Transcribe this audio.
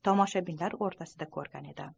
tomoshabinlar o'rtasida ko'rgan edi